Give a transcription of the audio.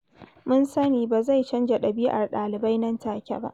‘Mun sani ba zai canza ɗabi’ar ɗalibai nan take ba.